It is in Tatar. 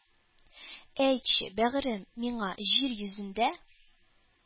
Әйтче, бәгърем, миңа, җир йөзендә